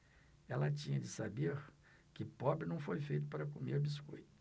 ela tinha de saber que pobre não foi feito para comer biscoito